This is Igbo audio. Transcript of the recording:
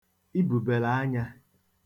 ibùbèlàanyā